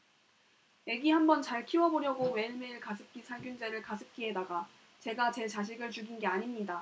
애기 한번 잘 키워보려고 매일매일 가습기 살균제를 가습기에다가 제가 제 자식을 죽인 게 아닙니다